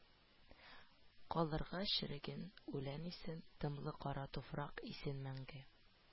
Калырга, черегән үлән исен, дымлы кара туфрак исен мәңге